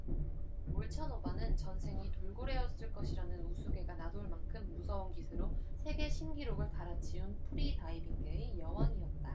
몰차노바는 전생이 돌고래였을 것이라는 우스개가 나돌만큼 무서운 기세로 세계신기록을 갈아치운 프리다이빙계의 여왕이었다